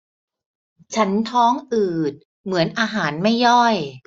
ฉันท้องอืดเหมือนอาหารไม่ย่อย